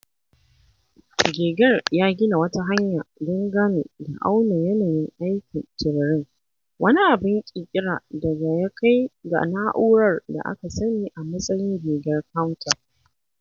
Geiger ya gina wata hanya don gane da auna yanayin aikin tururin, wani abin ƙiƙira daga ya kai ga na’urar da aka sani a matsayin Geiger Counter.